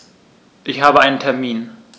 Ich habe einen Termin.